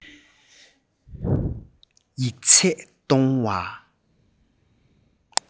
ཡིག ཚད གཏོང བ